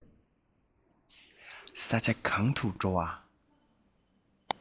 ས ཆ གང དུ འགྲོ བ